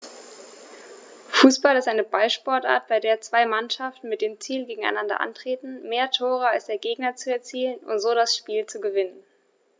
Fußball ist eine Ballsportart, bei der zwei Mannschaften mit dem Ziel gegeneinander antreten, mehr Tore als der Gegner zu erzielen und so das Spiel zu gewinnen.